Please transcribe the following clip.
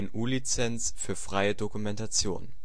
GNU Lizenz für freie Dokumentation